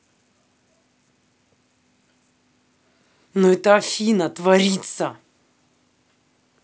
ну это афина творится